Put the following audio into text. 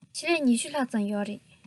ཆེད ལས ༢༠ ལྷག ཙམ ཡོད རེད